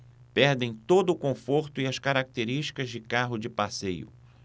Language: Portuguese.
perdem todo o conforto e as características de carro de passeio